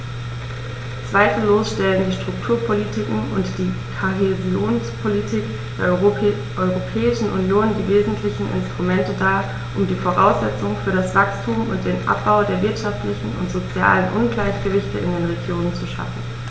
Zweifellos stellen die Strukturpolitiken und die Kohäsionspolitik der Europäischen Union die wesentlichen Instrumente dar, um die Voraussetzungen für das Wachstum und den Abbau der wirtschaftlichen und sozialen Ungleichgewichte in den Regionen zu schaffen.